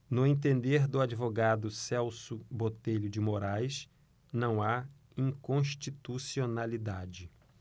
no entender do advogado celso botelho de moraes não há inconstitucionalidade